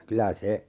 kyllä se